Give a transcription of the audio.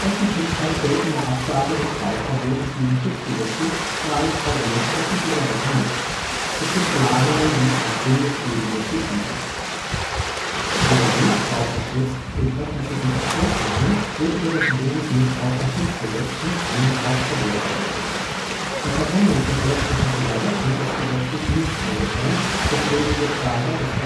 Öffentlichkeit geltende Abgabe - und Rauchverbot des Jugendschutzgesetzes (JuSchG) greift bei elektrischen Zigaretten nicht. Es gibt Planungen dies auf Bundesebene zu ändern. Der Nichtraucherschutz in öffentlichen Verkehrsmitteln wird über das Bundesnichtraucherschutzgesetz mit einem Rauchverbot geregelt. Die Verwendung von elektrischen Zigaretten ist gesetzlich nicht eingeschränkt, weswegen Betreiber des